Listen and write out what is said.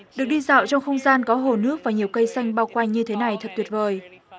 được đi dạo trong không gian có hồ nước và nhiều cây xanh bao quanh như thế này thật tuyệt vời